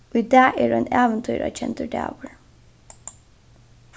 í dag er ein ævintýrakendur dagur